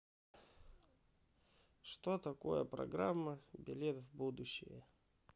что такое программа билет в будущее